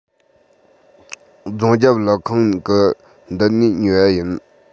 རྫོང རྒྱབ ཀླུ ཁང གི མདུན ནས ཉོས པ ཡིན